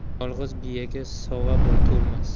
yolg'iz biyaga sova to'lmas